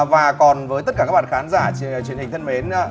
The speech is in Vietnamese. và còn với tất cả các bạn khán giả truyền truyền hình thân mến